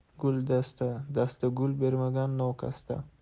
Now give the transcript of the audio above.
gul dasta dasta gul bermagan nokasta